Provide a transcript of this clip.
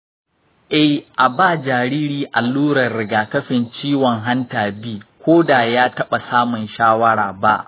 eh, a ba jariri allurar rigakafin ciwon hanta b ko da ya taɓa samun shawara ba.